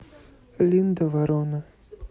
линда ворона